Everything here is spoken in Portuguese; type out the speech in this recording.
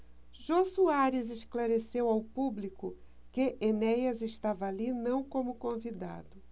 jô soares esclareceu ao público que enéas estava ali não como convidado